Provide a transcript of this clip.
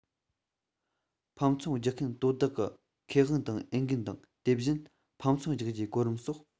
ཕམ ཚོང རྒྱག མཁན དོ བདག གི ཁེ དབང དང འོས འགན དང དེ བཞིན ཕམ ཚོང རྒྱག རྒྱུའི གོ རིམ སོགས